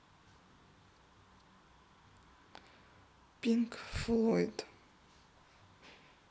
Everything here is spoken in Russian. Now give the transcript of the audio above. пинк флойд